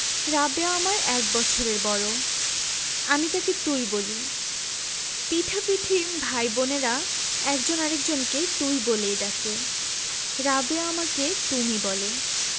রাবেয়া আমার এক বৎসরের বড় আমি তাকে তুই বলি পিঠাপিঠি ভাই বোনেরা একজন আরেক জনকে তুই বলেই ডাকে রাবেয়া আমাকে তুমি বলে